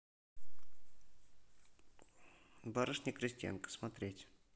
барышня крестьянка смотреть